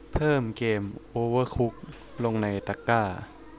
เพิ่มเกมโอเวอร์คุกลงในตะกร้า